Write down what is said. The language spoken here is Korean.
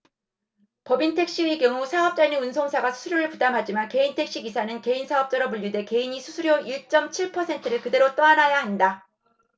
법인택시의 경우 사업자인 운송사가 수수료를 부담하지만 개인택시 기사는 개인사업자로 분류돼 개인이 수수료 일 쩜 칠 퍼센트를 그대로 떠안아야 한다